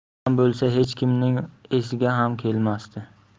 otam bo'lsa hech kimning esiga ham kelmasdi